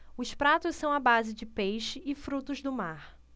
os pratos são à base de peixe e frutos do mar